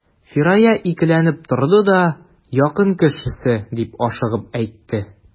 Фирая икеләнеп торды да: — Якын кешесе,— дип ашыгып әйтте.